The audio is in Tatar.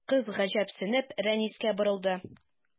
Кыз, гаҗәпсенеп, Рәнискә борылды.